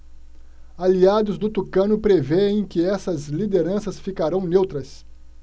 aliados do tucano prevêem que essas lideranças ficarão neutras